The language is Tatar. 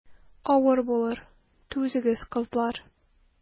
Авыр булыр, түзегез, кызлар.